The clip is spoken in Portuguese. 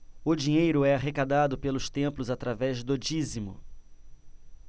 o dinheiro é arrecadado pelos templos através do dízimo